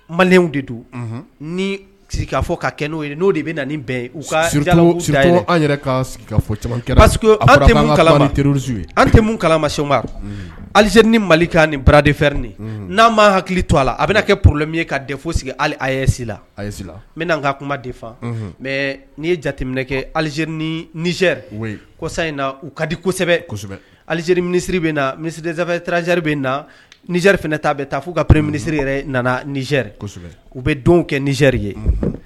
Maliw de fɔ ka kɛ n'o n' de bɛ ninsu kalama alizri ni malika ni barafɛri n'an ma hakili to a la a bɛna kɛ porolɛmi ye kaa fo sigi alisi n ka kuma de mɛ n'i ye jateminɛ kɛ alizerizrisa in na u ka di kosɛbɛ kosɛbɛ alizri minisiriri bɛ na minisɛzri bɛ nazsɛri f ta bɛ taa fo' ka pere minisiriri nanazre kosɛbɛ u bɛ don kɛ nizri ye